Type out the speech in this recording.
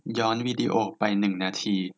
ย้อนวีดีโอไปหนึ่งนาที